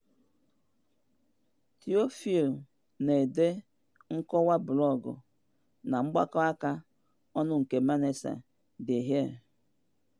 Théophile na-ede nkọwa blọọgụ na mgbakọ aka ọnụ nke Manasseh Deheer.